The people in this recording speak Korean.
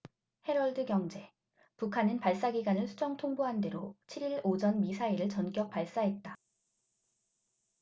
헤럴드경제 북한은 발사 기간을 수정 통보한대로 칠 일 오전 미사일을 전격 발사했다